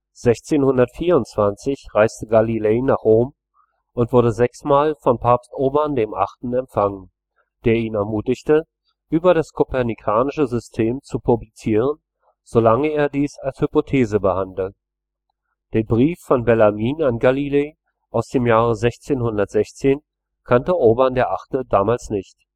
1624 reiste Galilei nach Rom und wurde sechs Mal von Papst Urban VIII. empfangen, der ihn ermutigte, über das kopernikanische System zu publizieren, solange er dieses als Hypothese behandle; den Brief von Bellarmin an Galilei aus dem Jahr 1616 kannte Urban VIII. damals nicht